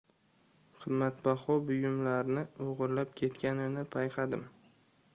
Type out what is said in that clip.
qimmatbaho buyumlarni o'g'irlab ketganini payqadim